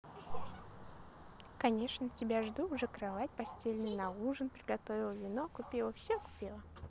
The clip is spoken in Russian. конечно тебя жду уже кровать постельный на ужин приготовила вино купила все купила